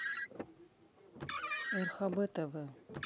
рхб тв